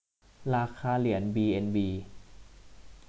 ราคาเหรียญบีเอ็นบี